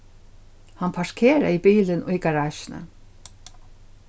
hann parkeraði bilin í garasjuni